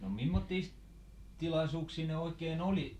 no mimmoisia tilaisuuksia ne oikein oli